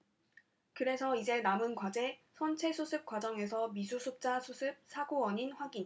그래서 이제 남은 과제 선체 수습 과정에서 미수습자 수습 사고원인 확인